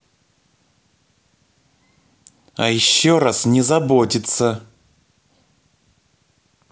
а еще раз не заботиться